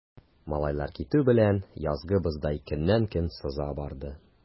Малайлар китү белән, язгы боздай көннән-көн сыза барды.